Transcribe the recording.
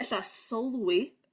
ella sylwi